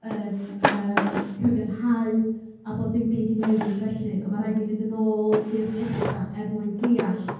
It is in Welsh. yn yym cyfiawnhau a bod dim byd yn newid felly, a ma' raid ni fynd yn ôl i'r dechra er mwyn deall